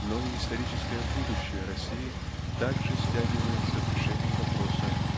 Но и историческое будущее России также стягивается в решении вопроса